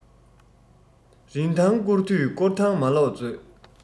རིན ཐང སྐོར དུས སྐོར ཐང མ ལོག མཛོད